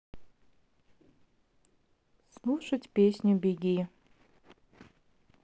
слушать песню беги